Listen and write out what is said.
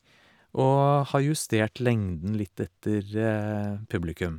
Og har justert lengden litt etter publikum.